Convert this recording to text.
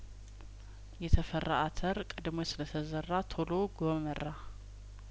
የተፈራ አተር ቀድሞ ስለተዘራ ቶሎ ጐመራ